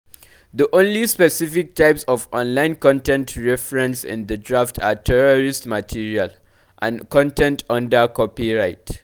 The only specific types of online content referenced in the draft are “terrorist material” (no definition offered) and content under copyright.